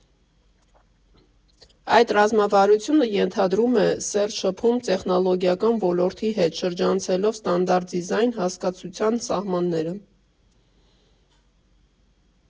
Այդ ռազմավարությունը ենթադրում է սերտ շփում տեխնոլոգիական ոլորտի հետ՝շրջանցելով «ստանդարտ դիզայն» հասկացության սահմանները։